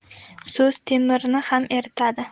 so'z temirni ham eritadi